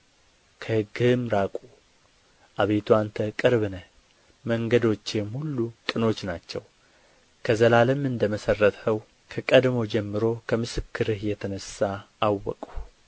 ከሕግህም ራቁ አቤቱ አንተ ቅርብ ነህ መንገዶችህም ሁሉ ቅኖች ናቸው ከዘላለም እንደ መሠረትኸው ከቀድሞ ጀምሮ ከምስክርህ የተነሣ አወቅሁ